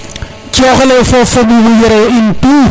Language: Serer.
coxelo yo fofo ɓuɓu yero yo in tout